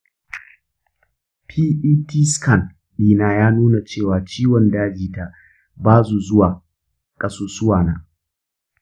pet scan dina ya nuna cewa ciwon daji ta bazu zuwa ƙasusuwana.